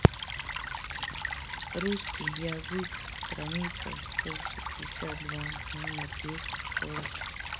русский язык страница сто шестьдесят два номер двести сорок